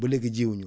ba léegi ji wu ñu